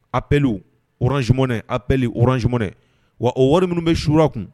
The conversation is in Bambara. Appels, orange Money, Apple orange Money. wa o wari minnu bɛ suurɔ a kun